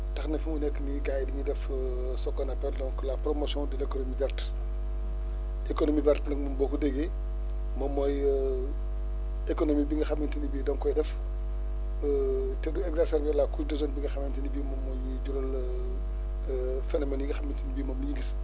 tax na fu mu nekk nii gars yi dañuy def ce qu' on appelle donc la promotion de l' économie verte économie verte nag moom boo ko déggee moom mooy économie bi nga xamante ni bii da nga koy def te du exacerber la couche d' ozone bi nga xamante ne bii moom moo ñuy jural phénomène yi nga xamante ne bii moom la ñu gis